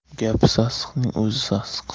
gapi sassiqning o'zi sassiq